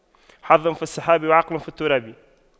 حظ في السحاب وعقل في التراب